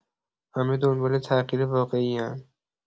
همه دنبال تغییر واقعی‌ان.